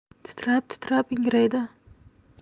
titrab titrab ingraydi